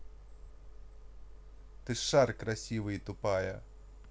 твой шар красивый тупая